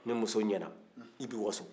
ni muso ɲɛna i bɛ waso